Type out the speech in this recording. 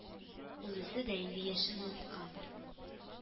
Ул үзе дә инде яшен оныткандыр